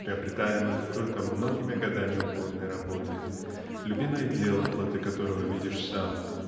приобретаемых только многими годами упорной работы любимое дело плоды которого видишь сам